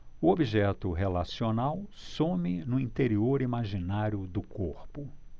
o objeto relacional some no interior imaginário do corpo